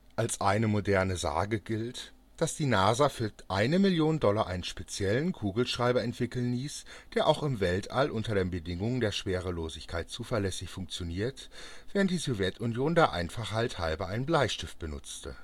Als eine Moderne Sage gilt, dass die NASA für eine Million Dollar einen speziellen Kugelschreiber entwickeln ließ, der auch im Weltall unter den Bedingungen der Schwerelosigkeit zuverlässig funktioniert, während die Sowjetunion der Einfachheit halber einen Bleistift benutzte